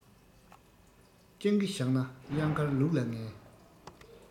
སྤྱང ཀི བཞག ན གཡང དཀར ལུག ལ ངན